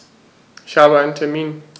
Ich habe einen Termin.